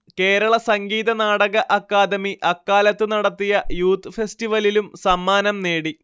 കേരള സംഗീതനാടക അക്കാദമി അക്കാലത്ത് നടത്തിയ യൂത്ത്ഫെസ്റ്റിവലിലും സമ്മാനംനേടി